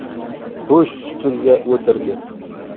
bo'sh stulga o'tirdi